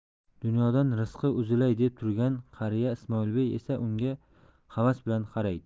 dunyodan rizqi uzilay deb turgan qariya ismoilbey esa unga havas bilan qaraydi